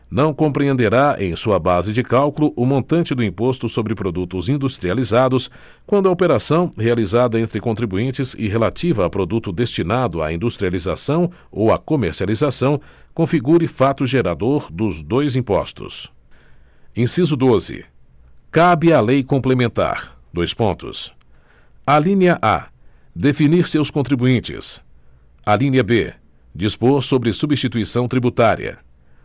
não compreenderá em sua base de cálculo o montante do imposto sobre produtos industrializados quando a operação realizada entre contribuintes e relativa a produto destinado à industrialização ou à comercialização configure fato gerador dos dois impostos inciso doze cabe à lei complementar dois pontos alínea a definir seus contribuintes alínea b dispor sobre substituição tributária